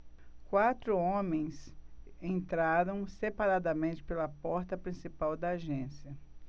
quatro homens entraram separadamente pela porta principal da agência